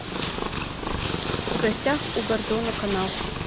в гостях у гордона канал